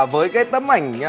với cái tấm ảnh